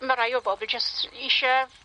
Ma' rai o bobl jyst isie